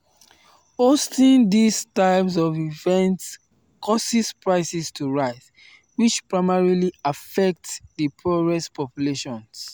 Hosting these types of events causes prices to rise, which primarily affects the poorest populations.